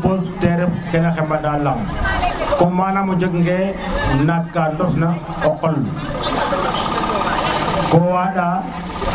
dose te ref kena xemba lang comme manaam o jega nge naak ka ndos na o qolo wanda